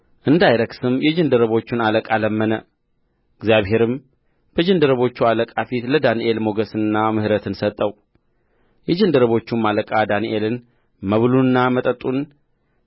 እንዳይረክስም የጃንደረቦቹን አለቃ ለመነ እግዚአብሔርም በጃንደረቦቹ አለቃ ፊት ለዳንኤል ሞገስንና ምሕረትን ሰጠው የጃንደረቦቹም አለቃ ዳንኤልን መብሉንና መጠጡን